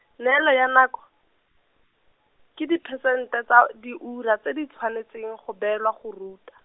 neelo ya nako, ke diphesente tsa diura tse di tshwanetseng go beelwa go ruta.